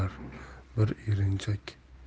o'lar bir erinchak